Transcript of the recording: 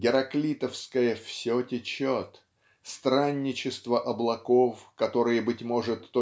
гераклитовское "все течет" странничество облаков которые быть может